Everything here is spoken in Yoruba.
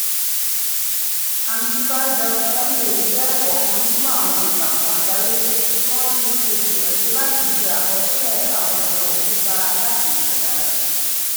Amplify.ma jẹ́ ọ̀kan nínú àwọn ìtakùn àgbáyé tí wọ́n ti ń gbìyànjú láti ṣe àkọsílẹ̀ àwọn ìran òkúta láti ìṣẹ̀dá rẹ̀.